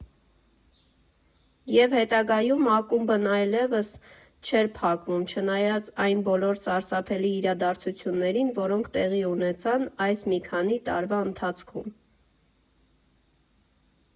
Եվ հետագայում ակումբն այլևս չէր փակվում, չնայած այն բոլոր սարսափելի իրադարձություններին, որոնք տեղի ունեցան այս մի քանի տարվա ընթացքում։